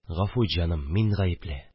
Гафу ит, җаным. Мин гаепле